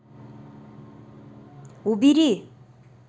убери